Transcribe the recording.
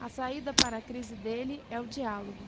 a saída para a crise dele é o diálogo